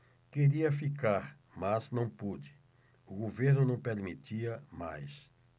queria ficar mas não pude o governo não permitia mais